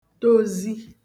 dozi